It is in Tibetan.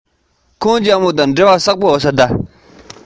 ཡང ཡང འཕེན བཞིན ཕྱིར ལོག སོང